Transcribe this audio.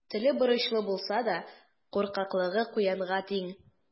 Теле борычлы булса да, куркаклыгы куянга тиң.